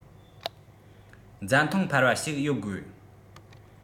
འཛའ ཐང འཕར བ ཞིག ཡོད དགོས